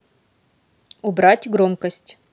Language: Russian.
убавь громкость